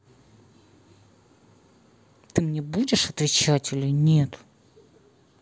ты мне будешь отвечать или нет